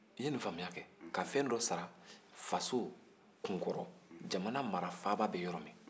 i ye nin faamuya kɛ ka fɛn dɔ sara faso kunkɔrɔ jamana mara faaba bɛ yɔrɔ min